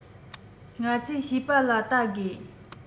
ང ཚོས བྱིས པ ལ བལྟ དགོས